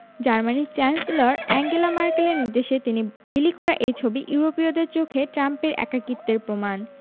জার্মানির chancellor Angela ম্যার্কেলের নির্দেশে বিলি করা এই ছবি ইউরোপীয়দের চোখে ট্রাম্পের একাকিত্বের প্রমাণ